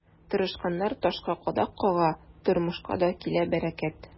Тырышканнар ташка кадак кага, тормышка да килә бәрәкәт.